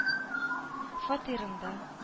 Фатирында